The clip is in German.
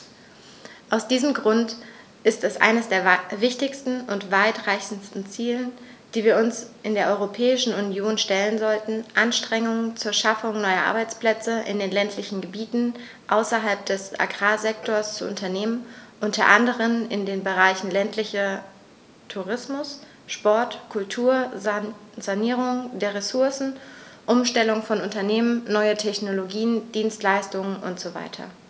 Aus diesem Grund ist es eines der wichtigsten und weitreichendsten Ziele, die wir uns in der Europäischen Union stellen sollten, Anstrengungen zur Schaffung neuer Arbeitsplätze in den ländlichen Gebieten außerhalb des Agrarsektors zu unternehmen, unter anderem in den Bereichen ländlicher Tourismus, Sport, Kultur, Sanierung der Ressourcen, Umstellung von Unternehmen, neue Technologien, Dienstleistungen usw.